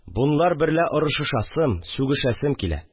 Бонлар берлә орышышасым, сүгешәсем килә